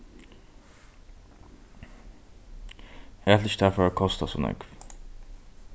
eg helt ikki tað fór at kosta so nógv